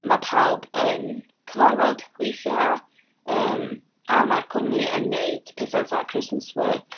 Ma' pawb yn cyfarfod weithiau, yym, a ma'r cwmni yn wneud petha fatha Christmas work.